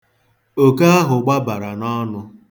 Oke ahụ gbabara n'ọnụ.